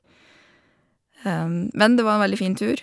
Men det var en veldig fin tur.